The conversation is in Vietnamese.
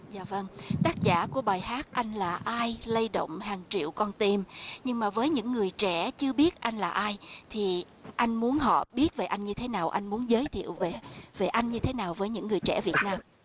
dạ vâng tác giả của bài hát anh là ai lay động hàng triệu con tim nhưng mà với những người trẻ chưa biết anh là ai thì anh muốn họ biết về anh như thế nào anh muốn giới thiệu về về anh như thế nào với những người trẻ việt nam